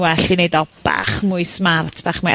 well i neud o bach mwy smart fach, mae o...